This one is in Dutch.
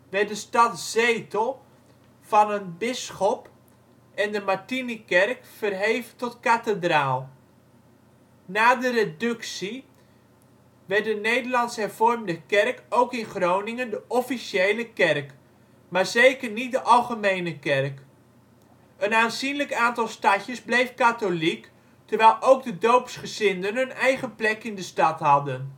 werd de stad zetel van een bisschop en de Martinikerk verheven tot kathedraal. Na de reductie werd de Nederlands Hervormde kerk ook in Groningen de officiële kerk, maar zeker niet de algemene kerk. Een aanzienlijk aantal stadjers bleef katholiek, terwijl ook de doopsgezinden hun eigen plek in de stad hadden